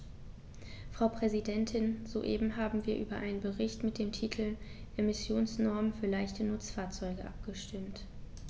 Frau Präsidentin, soeben haben wir über einen Bericht mit dem Titel "Emissionsnormen für leichte Nutzfahrzeuge" abgestimmt.